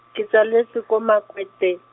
ke tsaletswe ko Makwete-.